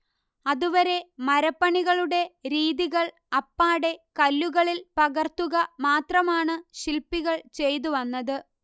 അതുവരെ മരപ്പണികളുടെ രീതികൾ അപ്പാടെ കല്ലുകളിൽ പകർത്തുക മാത്രമാണ് ശില്പികൾ ചെയ്തുവന്നത്